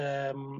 yym